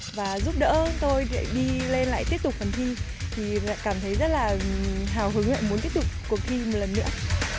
và giúp đỡ tôi dậy đi lên lại tiếp tục phần thi thì lại cảm thấy rất là hào hứng lại muốn tiếp tục cuộc thi một lần nữa